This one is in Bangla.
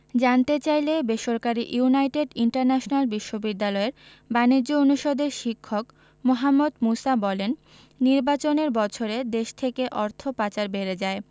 জানতে চাইলে বেসরকারি ইউনাইটেড ইন্টারন্যাশনাল বিশ্ববিদ্যালয়ের বাণিজ্য অনুষদের শিক্ষক মোহাম্মদ মুসা বলেন নির্বাচনের বছরে দেশ থেকে অর্থ পাচার বেড়ে যায়